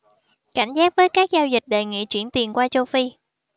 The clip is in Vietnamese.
cảnh giác với các giao dịch đề nghị chuyển tiền qua châu phi